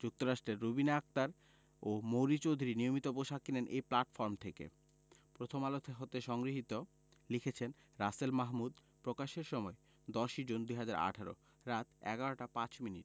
যুক্তরাষ্ট্রের রুবিনা আক্তার ও মৌরি চৌধুরী নিয়মিত পোশাক কেনেন এই প্ল্যাটফর্ম থেকে প্রথমআলো হতে সংগৃহীত লিখেছেন রাসেল মাহ্মুদ প্রকাশের সময় ১০ জুন ২০১৮ রাত ১১টা ৫ মিনিট